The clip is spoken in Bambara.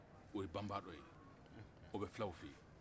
o ye banbandɔ ye o bɛ filaw fɛ yen